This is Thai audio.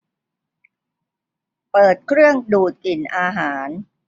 เปิดเครื่องดูดกลิ่นอาหาร